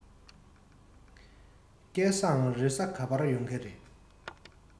སྐལ བཟང རེས གཟའ ག པར ཡོང གི རེད